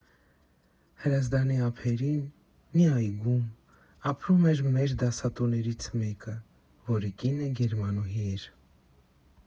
Հրազդանի ափերին՝ մի այգում, ապրում էր մեր դասատուներից մեկը, որի կինը գերմանուհի էր.